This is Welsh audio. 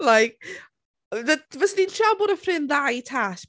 Like, f- fyswn i'n treial bod yn ffrind dda i Tash...